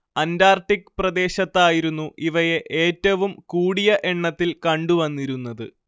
Antarctic പ്രദേശത്തായിരുന്നു ഇവയെ ഏറ്റവും കൂടിയ എണ്ണത്തിൽ കണ്ടു വന്നിരുന്നത്